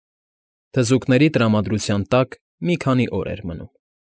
Թզուկների տրամադրության տակ մի քանի օր էր մնում։